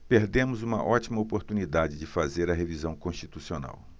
perdemos uma ótima oportunidade de fazer a revisão constitucional